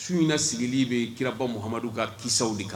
Su in sigilenli bɛ kiraba muhamadu ka kisaw de kan